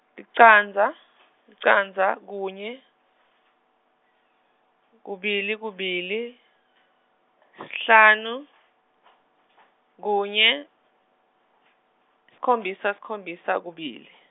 licandza licandza kunye , kubili kubili sihlanu, kunye, sikhombisa sikhombisa kubili.